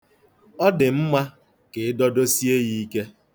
Ọ dị mma ka ịdọdosie ya ike.